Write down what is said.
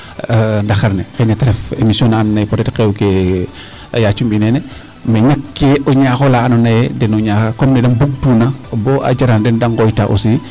Ndaxar ne ta ref émission na andoona yee peut etre xew ke a yaacu mbi' neene ne ñakee o ñaax o la andoona yee den o ñaaxaa andoona yee den ñaaxaa o ne da mbugtuuna bo a jaraña den de ngooyta aussi.